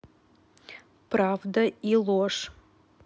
правда и ложь